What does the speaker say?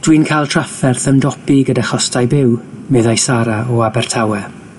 Dwi'n ca'l trafferth ymdopi gyda chostau byw, meddai Sara o Abertawe.